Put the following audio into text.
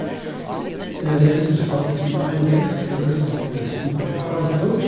Venstre spalte stod på engelsk, høgre spalte stod på esperanto.